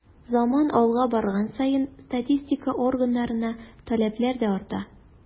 Заман алга барган саен статистика органнарына таләпләр дә арта.